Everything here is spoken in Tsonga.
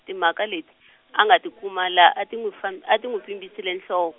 timhaka leti, a nga ti kuma la a ti n'wi fan- a ti n'wi pfimbise nhlo-.